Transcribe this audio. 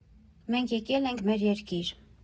֊ Մենք եկել ենք մեր երկիր։